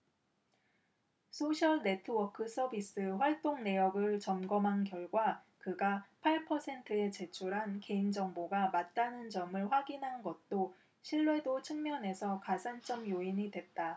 소셜네트워크서비스 활동내역을 점검한 결과 그가 팔 퍼센트에 제출한 개인정보가 맞다는 점을 확인한 것도 신뢰도 측면에서 가산점 요인이 됐다